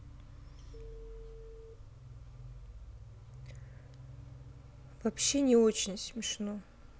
вообще не очень смешно